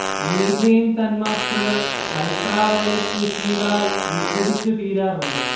methane തന്മാത്രകൾ ultraviolet രശ്മികളാൽ വിഘടിച്ച് തീരാറുണ്ട്